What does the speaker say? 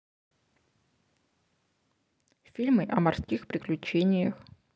фильмы о морских приключениях